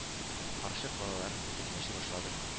Карчык балаларын көтеп яши башлады